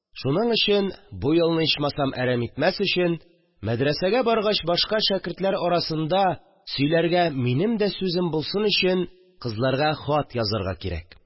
Шуның өчен, бу елны, ичмасам, әрәм итмәс өчен, мәдрәсәгә баргач башка шәкертләр арасында сөйләргә минем дә сүзем булсын өчен, кызларга хат язарга кирәк